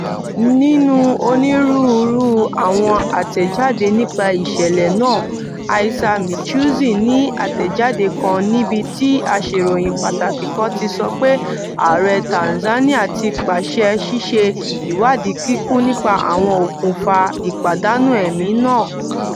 Nìnú onírúurú àwọn àtẹ̀jáde nípa ìṣẹ̀lẹ̀ náà, Issa Michuzi ní àtẹ̀jáde kan níbi tí aṣeròyìn pàtàkì kan ti sọ pé Aàre Tanzania ti páṣẹ ṣíṣe ìwádìí kíkún nípa àwọn okùnfa ìpádànù ẹ̀mí náà.